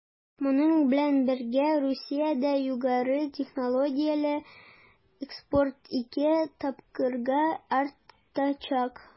Моның белән бергә Русиядә югары технологияле экспорт 2 тапкырга артачак.